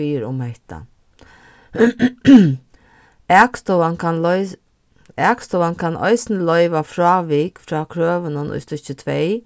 biður um hetta akstovan kann akstovan kann eisini loyva frávik frá krøvunum í stykki tvey